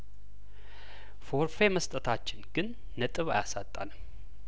ፎርፌ መስጠታችን ግን ነጥብ አያሳጣንም